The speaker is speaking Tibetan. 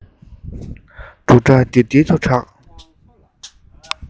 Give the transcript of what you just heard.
འབྲུག སྒྲ ལྡིར ལྡིར དུ གྲགས